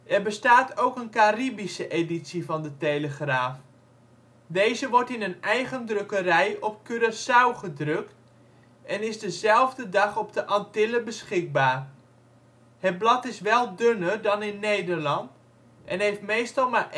Er bestaat ook een Caribische editie van de Telegraaf. Deze wordt in een eigen drukkerij op Curaçao gedrukt en is de zelfde dag op de Antillen beschikbaar. Het blad is wel dunner dan in Nederland en heeft meestal maar